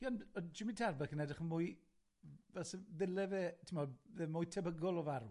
Ie, ond o'dd Jimmy Tarbuck yn edrych yn mwy, fel se- ddyle fe, ti'mod, fe'n mwy tebygol o farw.